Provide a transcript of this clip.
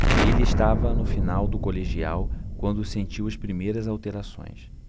ele estava no final do colegial quando sentiu as primeiras alterações